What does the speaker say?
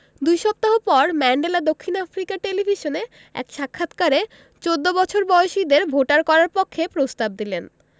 দুই সপ্তাহ পর ম্যান্ডেলা দক্ষিণ আফ্রিকার টেলিভিশনে এক সাক্ষাৎকারে ১৪ বছর বয়সীদের ভোটার করার পক্ষে প্রস্তাব দিলেন